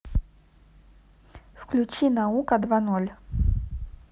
включи наука два ноль